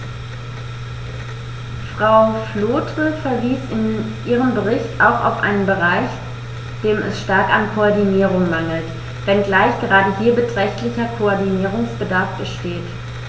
Frau Flautre verwies in ihrem Bericht auch auf einen Bereich, dem es stark an Koordinierung mangelt, wenngleich gerade hier beträchtlicher Koordinierungsbedarf besteht.